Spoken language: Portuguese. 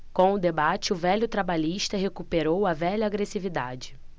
com o debate o velho trabalhista recuperou a velha agressividade